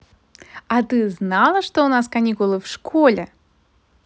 а ты знала что у нас каникулы в школе